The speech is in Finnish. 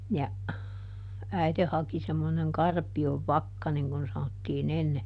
ja äiti haki semmoinen karpion vakka niin kuin sanottiin ennen